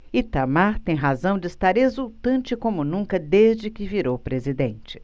itamar tem razão de estar exultante como nunca desde que virou presidente